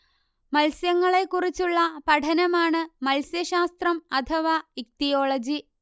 മത്സ്യങ്ങളെക്കുറിച്ചുള്ള പഠനമാണ് മത്സ്യശാസ്ത്രം അഥവാ ഇക്തിയോളജി